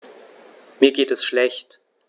Mir geht es schlecht.